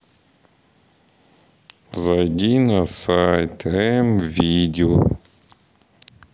зайди на сайт м видео